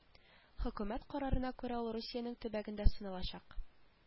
Хөкүмәт карарына күрә ул русиянең төбәгендә сыналачак